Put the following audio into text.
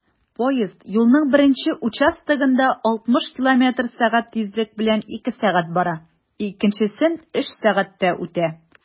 Поезд юлның беренче участогында 60 км/сәг тизлек белән 2 сәг. бара, икенчесен 3 сәгатьтә үтә.